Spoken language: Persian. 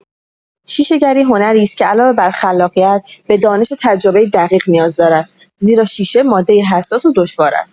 شیشه‌گری هنری است که علاوه بر خلاقیت به دانش و تجربه دقیق نیاز دارد، زیرا شیشه ماده‌ای حساس و دشوار است.